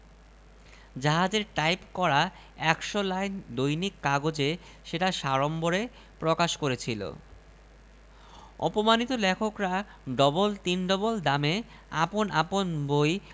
তাই দিয়ে লেখাটা শেষ করি গল্পটা সকলেই জানেন কিন্তু তার গূঢ়ার্থ মাত্র কাল বুঝতে পেরেছি আরব্যোপন্যাসের গল্প